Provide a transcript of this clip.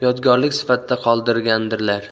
yodgorlik sifatida qoldirgandirlar